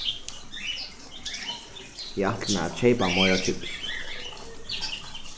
eg ætli mær at keypa meira kips